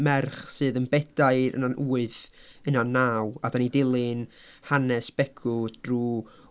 merch sydd yn bedair na'n wyth u- na'n naw a dan ni'n dilyn hanes Begw drwy...